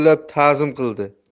qo'llab ta'zim qildi